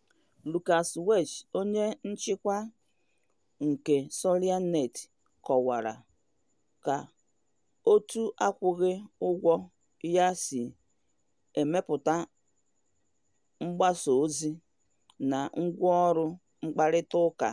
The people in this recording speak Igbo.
- Lucas Welsh, Onye Nchịkwa nke Soliya.net, kọwara ka òtù akwụghị ụgwọ ya si emepụta mgbasaozi na ngwaọrụ mkparịtaụka